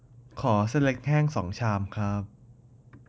ขอเส้นเล็กแห้งสองชามครับ